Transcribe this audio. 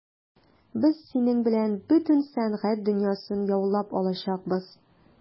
Без синең белән бөтен сәнгать дөньясын яулап алачакбыз.